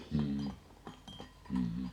mm mm